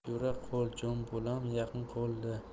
yura qol jon bolam yaqin qoldi